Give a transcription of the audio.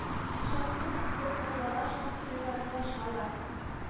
Шартның асылын аңлагач аптырыйлар елашалар